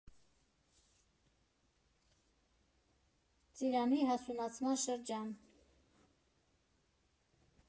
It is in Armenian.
Ծիրանի հասունացման շրջան։